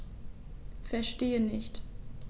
Verstehe nicht.